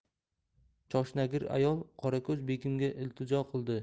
choshnagir ayol qorako'z begimga iltijo